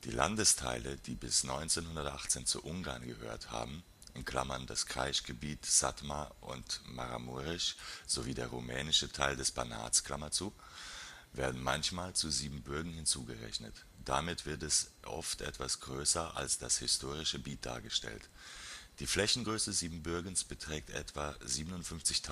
Landesteile, die bis 1918 zu Ungarn gehört haben (das Kreischgebiet, Sathmar und Maramuresch sowie der rumänische Teil des Banats), werden manchmal zu Siebenbürgen hinzugerechnet. Damit wird es oft etwas größer als das historische Gebiet dargestellt. Die Flächengröße Siebenbürgens beträgt etwa 57.000